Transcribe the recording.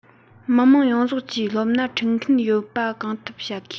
མི དམངས ཡོངས རྫོགས ཀྱིས སློབ ན ཁྲིད མཁན ཡོད པ གང ཐུབ བྱ དགོས